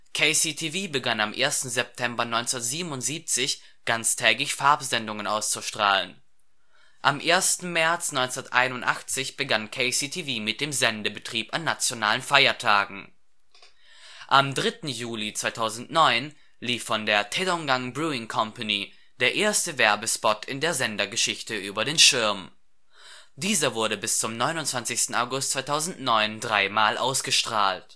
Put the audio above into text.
KCTV begann am 1. September 1977, ganztägig Farbsendungen auszustrahlen. Am 1. März 1981 begann KCTV mit dem Sendebetrieb an nationalen Feiertagen. Am 3. Juli 2009 lief von der Taedonggang Brewing Company der erste Werbespot in der Sendergeschichte über den Schirm. Dieser wurde bis zum 29. August 2009 dreimal ausgestrahlt